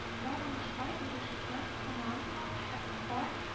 Бар уңышка ирешкән командалар, һә бар -